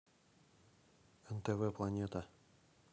нтв планета